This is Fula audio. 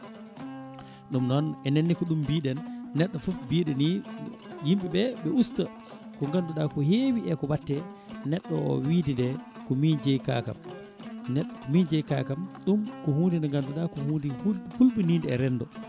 ɗum noon enenne ko ɗum mbiɗen neɗɗo foof mbiɗo ni yimɓeɓe ɓe usta ko ganduɗa ko heewi e ko watte neɗɗo o wiitide komin jeeyi kakam neɗɗo min jeeyi kakam ɗum ko hunde nde ganduɗa ko hunde hulɓinide e rendo